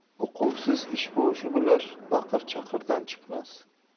uquvsiz ishboshi bo'lsa baqir chaqirdan chiqmas